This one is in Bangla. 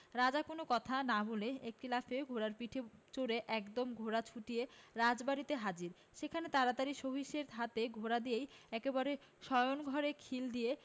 রাজা কোন কথা না বলে একটি লাফে ঘোড়ার পিঠে চড়ে একদম ঘোড়া ছূটিয়ে রাজবাড়িতে হাজির সেখানে তাড়াতাড়ি সহিসের হাতে ঘোড়া দিয়েই একেবারে শয়ন ঘরে খিল দিয়ে